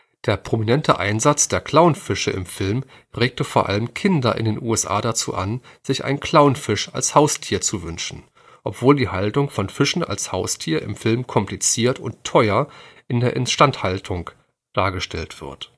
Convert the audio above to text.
Der prominente Einsatz der Clownfische im Film regte vor allem Kinder in den USA dazu an, sich einen Clownfisch als Haustier zu wünschen, obwohl die Haltung von Fischen als Haustier im Film kompliziert und teuer in der Instandhaltung dargestellt wird